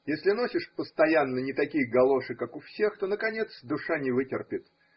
Если носишь постоянно не такие галоши, как у всех, то наконец душа не вытерпит.